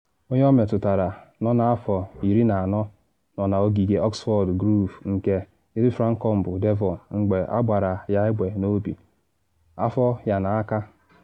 Onye ọ metụtara, nọ n’afọ 40, nọ n’ogige Oxford Grove nke llfracombe, Devon, mgbe agbara ya egbe n’obi, afọ yana aka.